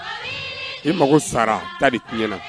I mago sara taa di ti na